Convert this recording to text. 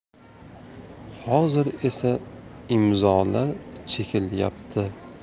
hozir esa imzolar chekilyapti